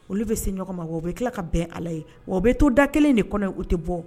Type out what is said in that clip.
Olu be se ɲɔgɔn ma . Wa u bi kila ka bɛn a la yen . Wa u bɛ to da kelen de kɔnɔ yen u tɛ bɔ.